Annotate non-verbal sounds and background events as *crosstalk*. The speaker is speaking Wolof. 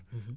*hesitation* *hesitation*